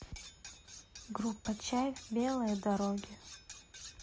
группа чайф белые дороги